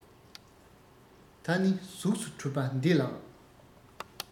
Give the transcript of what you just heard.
ད ནི གཟུགས སུ གྲུབ པ འདི ལགས